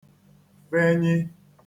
fenyi